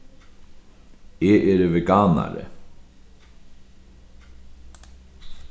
eg eri veganari